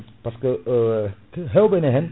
par ce que hewɓene hen